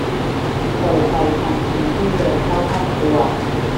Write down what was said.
เปิดไฟทันทีที่เดินเข้าห้องครัว